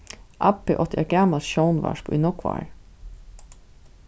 abbi átti eitt gamalt sjónvarp í nógv ár